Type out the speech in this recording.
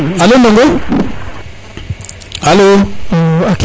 Alo Ndongo alo o a quitter a